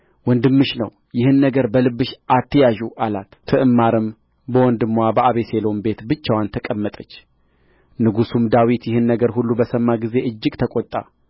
ወንድምሽ ነው ይህን ነገር በልብሽ አትያዢው አላት ትዕማርም በወንድምዋ በአቤሴሎም ቤት ብቻዋን ተቀመጠች ንጉሡም ዳዊት ይህን ነገር ሁሉ በሰማ ጊዜ እጅግ ተቈጣ